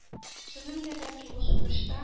Сезнең дә, бәлки, бу сугышта